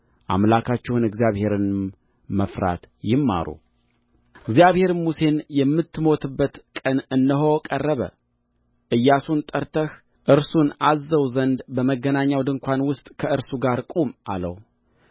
አምላካችሁን እግዚአብሔርንም መፍራት ይማሩ እግዚአብሔርም ሙሴን የምትሞትበት ቀን እነሆ ቀረበ ኢያሱን ጠርተህ እርሱን አዝዘው ዘንድ በመገናኛው ድንኳን ውስጥ ከእርሱ ጋር ቁም አለው